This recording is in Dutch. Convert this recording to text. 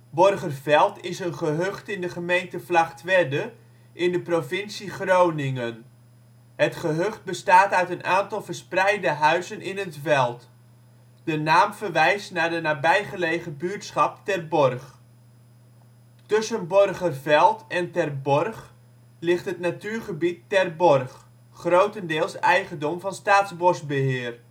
Borgerveld is een gehucht in de gemeente Vlagtwedde in de provincie Groningen. Het gehucht bestaat uit een aantal verspreide huizen in het veld. De naam verwijst naar de nabijgelegen buurtschap Ter Borg. Tussen Borgerveld en Ter Borg ligt het natuurgebied Ter Borg, grotendeels eigendom van Staatsbosbeheer